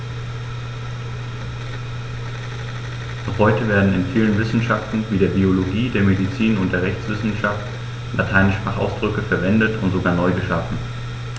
Noch heute werden in vielen Wissenschaften wie der Biologie, der Medizin und der Rechtswissenschaft lateinische Fachausdrücke verwendet und sogar neu geschaffen.